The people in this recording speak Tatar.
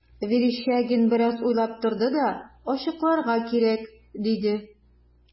Верещагин бераз уйланып торды да: – Ачыкларга кирәк,– диде.